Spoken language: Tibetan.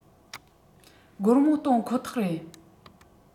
སྒོར མོ གཏོང ཁོ ཐག རེད